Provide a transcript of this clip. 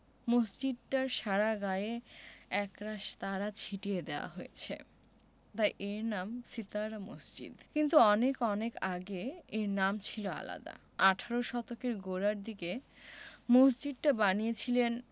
মসজিদটার সারা গায়ে একরাশ তারা ছিটিয়ে দেয়া হয়েছে তাই এর নাম সিতারা মসজিদ কিন্তু অনেক অনেক আগে এর নাম ছিল আলাদা আঠারো শতকের গোড়ার দিকে মসজিদটা বানিয়েছিলেন